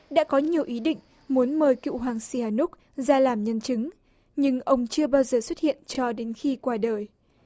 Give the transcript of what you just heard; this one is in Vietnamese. đã có nhiều ý định muốn mời cựu hoàng si ha núc ra làm nhân chứng nhưng ông chưa bao giờ xuất hiện cho đến khi qua đời